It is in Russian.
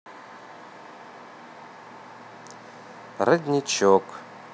родничок